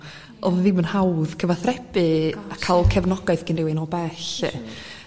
o'dd o ddim yn hawdd cyfathrebu a ca'l cefnogaeth gen rywun o bell 'llu